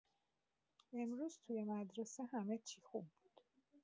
امروز توی مدرسه همه چی خوب بود.